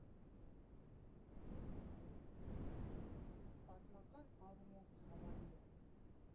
Պատմական առումով ցավալի է։